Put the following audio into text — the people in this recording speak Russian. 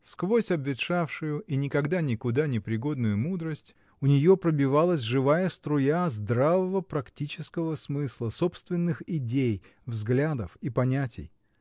Сквозь обветшавшую и иногда никуда не пригодную мудрость у нее пробивалась живая струя здравого практического смысла, собственных идей, взглядов и понятий.